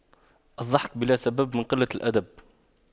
الضحك بلا سبب من قلة الأدب